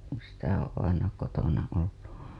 kun sitä on aina kotona ollut